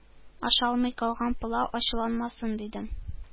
Ашалмый калган пылау ачуланмасын, дидем.